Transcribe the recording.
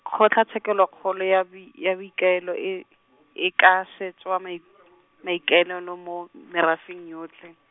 Kgotlatshekelokgolo ya boi-, ya boikaelo, e , e ka setswe a mai- , maikaelelo mo, merafeng yotlhe.